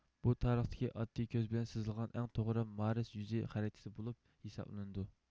بۇ تارىختىكى ئاددىي كۆز بىلەن سىزىلغان ئەڭ توغرا مارس يۈزى خەرىتىسى بولۇپ ھېسابلىنىدۇ